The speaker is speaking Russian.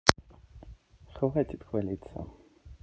хватит хвалиться